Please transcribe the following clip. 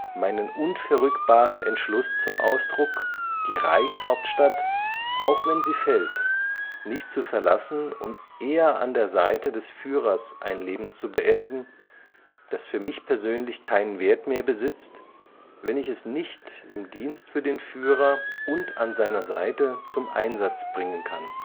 meinen unverrückbaren Entschluß zum Ausdruck, die Reichshauptstadt, auch wenn sie fällt, nicht zu verlassen und eher an der Seite des Führers ein Leben zu beenden, das für mich persönlich keinen Wert mehr besitzt, wenn ich es nicht im Dienst für den Führer und an seiner Seite zum Einsatz bringen kann